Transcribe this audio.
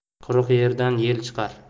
quruq yerdan yel chiqar